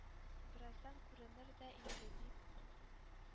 Бераздан, күренер дә инде дип,